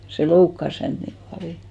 se loukkasi häntä niin paljon